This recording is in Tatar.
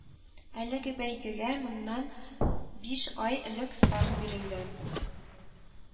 Әлеге бәйгегә моннан биш ай элек старт бирелде